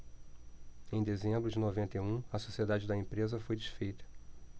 em dezembro de noventa e um a sociedade da empresa foi desfeita